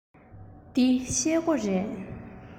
འདི ཤེལ སྒོ རེད